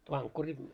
vankkuri